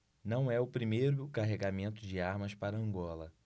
não é o primeiro carregamento de armas para angola